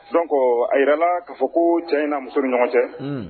Donc a jirala k'a fɔ ko cɛ in n'a muso ni ɲɔgɔn cɛ, un